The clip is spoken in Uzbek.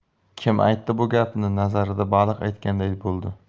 kim aytdi bu gapni nazarida baliq aytganday bo'ldi